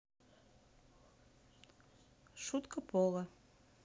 шутка пола